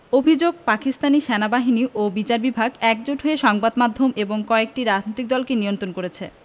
অভিযোগ পাকিস্তানি সেনাবাহিনী ও বিচার বিভাগ একজোট হয়ে সংবাদ মাধ্যম এবং কয়েকটি রাজনৈতিক দলকে নিয়ন্ত্রণ করছে